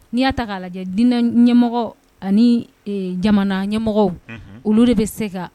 N'i y'a ta'a lajɛ diinɛ ɲɛmɔgɔ ani jamana ɲɛmɔgɔ olu de bɛ se kan